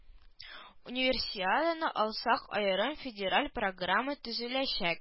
Универсиаданы алсак аерым федераль программа төзеләчәк